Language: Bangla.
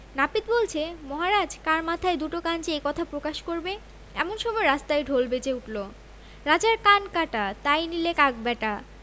নাপিত বলছে মহারাজ কার মাথায় দুটো কান যে এ কথা প্রকাশ করবে এমন সময় রাস্তায় ঢোল বেজে উঠল ‘রাজার কান কাটা তাই নিলে কাক ব্যাটা